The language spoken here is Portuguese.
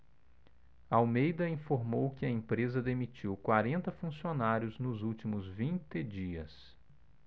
almeida informou que a empresa demitiu quarenta funcionários nos últimos vinte dias